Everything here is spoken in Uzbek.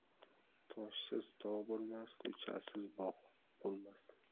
toshsiz tog' bo'lmas ko'chatsiz bog' bo'lmas